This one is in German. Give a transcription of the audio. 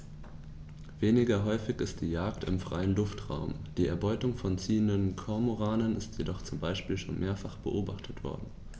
Weniger häufig ist die Jagd im freien Luftraum; die Erbeutung von ziehenden Kormoranen ist jedoch zum Beispiel schon mehrfach beobachtet worden.